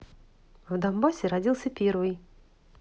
в донбассе родился первый